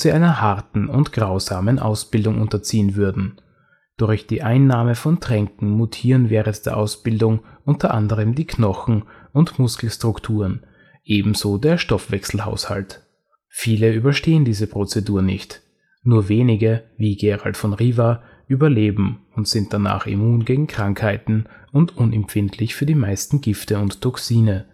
harten und grausamen Ausbildung unterziehen würden. Durch die Einnahme von Tränken mutieren während der Ausbildung unter anderem die Knochen - und Muskelstrukturen, ebenso der Stoffwechselhaushalt. Viele überstehen diese Prozedur nicht. Nur wenige, wie Geralt von Riva, überleben und sind danach immun gegen Krankheiten und unempfindlich für die meisten Gifte und Toxine